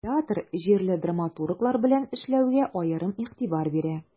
Театр җирле драматурглар белән эшләүгә аерым игътибар бирә.